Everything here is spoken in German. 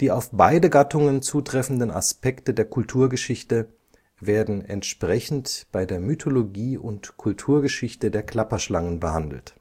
auf beide Gattungen zutreffenden Aspekte der Kulturgeschichte werden entsprechend bei der Mythologie und Kulturgeschichte der Klapperschlangen behandelt